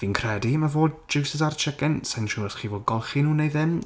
Fi'n credu mae fod juices ar y chicken. Sa i'n siwr os chi fod golchi nhw neu ddim.